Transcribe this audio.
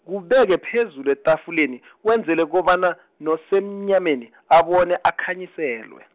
kubeke phezulu etafuleni , wenzelele kobana , nosemnyameni , abone akhanyiselwe.